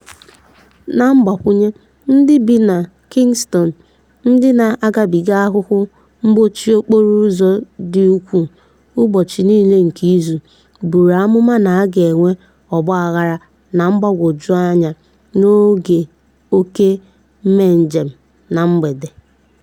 Na mgbakwụnye, ndị bi na Kingston, ndị na-agabiga ahụhụ mkpọchi okporo ụzọ dị ukwuu ụbọchị niile nke izu, buuru amụma na a ga-enwe ọgbaaghara na mgbagwọju anya n'oge oke mmenjem na mgbede.